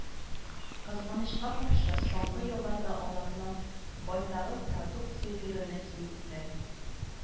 Кызганычка каршы, соңгы елларда аларның байтагы продукция бирүне киметте